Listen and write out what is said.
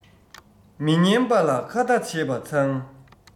མི ཉན པ ལ ཁ ཏ བྱེད པ མཚང